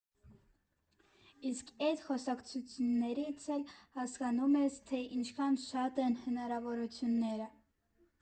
Իսկ էդ խոսակցություններից էլ հասկանում ես, թե ինչքան շատ են հնարավորությունները։